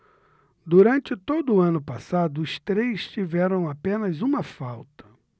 durante todo o ano passado os três tiveram apenas uma falta